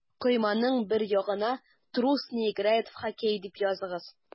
Койманың бер ягына «Трус не играет в хоккей» дип языгыз.